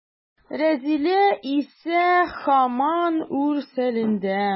Рәзилә исә һаман үрсәләнде.